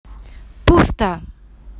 пусто